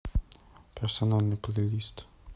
персональный плейлист